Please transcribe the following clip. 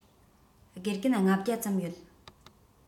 དགེ རྒན ༥༠༠ ཙམ ཡོད